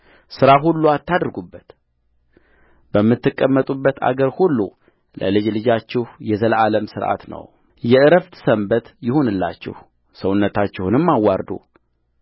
ሥራ ሁሉ አታድርጉበት በምትቀመጡበት አገር ሁሉ ለልጅ ልጃችሁ የዘላለም ሥርዓት ነውየዕረፍት ሰንበት ይሁንላችሁ ሰውነታችሁንም አዋርዱ